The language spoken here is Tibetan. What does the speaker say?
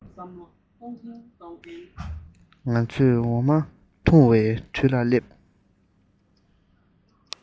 ང ཚོས འོ མ འཐུང བའི དུས ལ སླེབས